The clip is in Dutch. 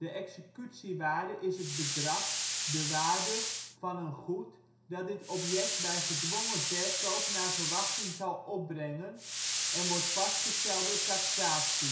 executiewaarde is het bedrag (de waarde) van een goed dat dit object bij gedwongen verkoop naar verwachting zal opbrengen en wordt vastgesteld door taxatie